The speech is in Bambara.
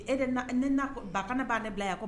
E de na ne na b ba kana baan ne bila yan k